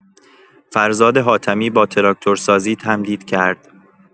فرزاد حاتمی با تراکتورسازی تمدید کرد